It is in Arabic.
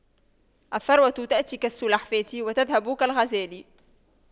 الثروة تأتي كالسلحفاة وتذهب كالغزال